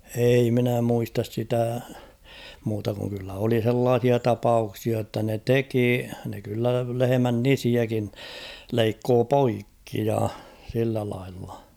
ei minä muista sitä muuta kuin kyllä oli sellaisia tapauksia jotta ne teki ne kyllä lehmän nisiäkin leikkoi poikki ja sillä lailla